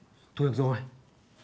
thôi được rồi